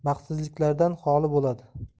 va baxtsizliklardan xoli bo'ladi